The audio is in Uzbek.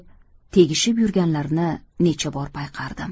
tegishib yurganlarini necha bor payqardim